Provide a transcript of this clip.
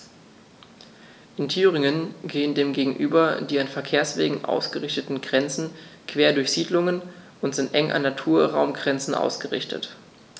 In Thüringen gehen dem gegenüber die an Verkehrswegen ausgerichteten Grenzen quer durch Siedlungen und sind eng an Naturraumgrenzen ausgerichtet.